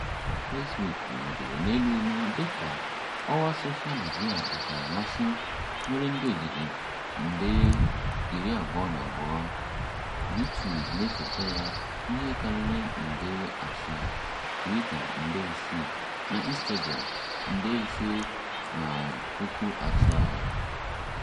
Facebook nọgidere na-elu elu dị ka ọwa soshaa midịa nkaramasị nwere ndị ojiji nde 22, YouTube na-esote ya (nde 7+), Twitter (nde 6) na Instagram (nde 5.7).